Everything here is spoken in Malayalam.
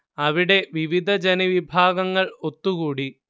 അവിടെ വിവിധ ജനവിഭാഗങ്ങൾ ഒത്തുകൂടി